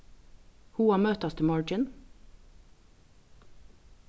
hug at møtast í morgin